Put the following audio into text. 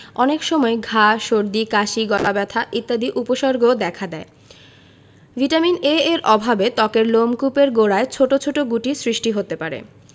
অনেক সময় ঘা সর্দি কাশি গলাব্যথা ইত্যাদি উপসর্গও দেখা দেয় ভিটামিন A এর অভাবে ত্বকের লোমকূপের গোড়ায় ছোট ছোট গুটির সৃষ্টি হতে পারে